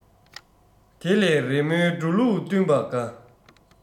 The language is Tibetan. དེ ལས རི མོའི འགྲོ ལུགས བསྟུན པ དགའ